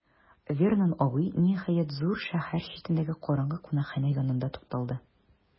Вернон абый, ниһаять, зур шәһәр читендәге караңгы кунакханә янында туктады.